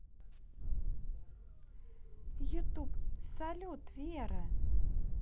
youtube салют вера